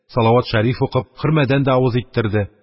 Салават шәриф укып, хөрмәдән дә авыз иттерде.